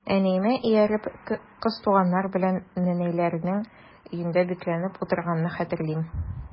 Әниемә ияреп, кыз туганнар белән нәнәйләрнең өендә бикләнеп утырганны хәтерлим.